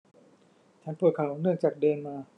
ฉันปวดเข่าเนื่องจากเดินมา